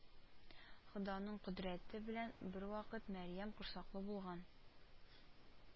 Ходаның кодрәте белән бервакыт Мәрьям корсаклы булган